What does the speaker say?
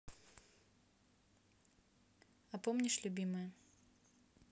а помнишь любимая